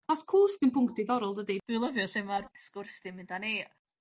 Ma' s- cwsg yn pwnc diddorol dydi? Dwi lyfio lle ma'r sgwrs 'di mynd â ni.